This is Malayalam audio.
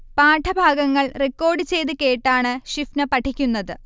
പാഠഭാഗങ്ങൾ റിക്കോർഡ് ചെയ്തു കേട്ടാണ് ഷിഫ്ന പഠിക്കുന്നത്